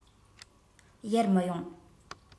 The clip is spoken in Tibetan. ཡར མི ཡོང